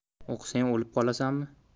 o'qisang o'lib qolasanmi